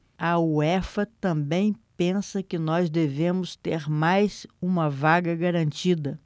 a uefa também pensa que nós devemos ter mais uma vaga garantida